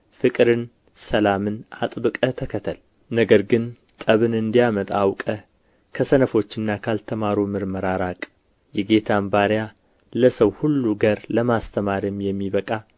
ፍቅርን ሰላምን አጥብቀህ ተከተል ነገር ግን ጠብን እንዲያመጣ አውቀህ ከሰነፎችና ካልተማሩ ምርመራ ራቅ የጌታም ባሪያ ለሰው ሁሉ ገር ለማስተማርም የሚበቃ